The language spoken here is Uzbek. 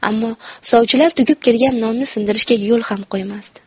ammo sovchilar tugib kelgan nonni sindirishga yo'l ham qo'ymasdi